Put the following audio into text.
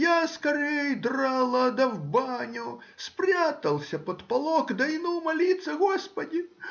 я скорей драла, да в баню, спрятался под полок, да и ну молиться: Господи!